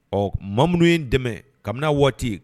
Ɔ maa minnu ye n dɛmɛ kabin'a waati